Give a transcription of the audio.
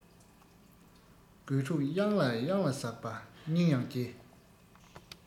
རྒོད ཕྲུག གཡང ལ གཡང ལ ཟགས པ སྙིང ཡང རྗེ